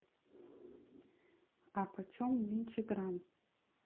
а почем нынче грамм